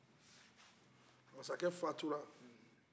masakɛ fatura